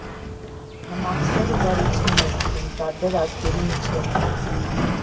Նման սեր ու բարություն էր տիրում տարբեր ազգերի միջև։